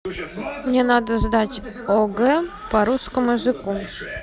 мне надо сдать огэ по русскому языку